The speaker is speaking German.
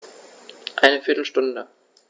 Eine viertel Stunde